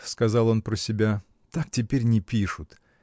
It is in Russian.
— сказал он про себя, — так теперь не пишут.